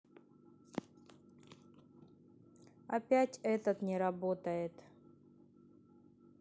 опять этот не работает